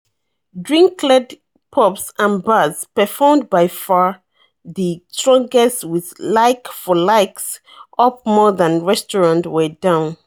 Drink-led pubs and bars performed by far the strongest with like-for-likes up more than restaurants were down.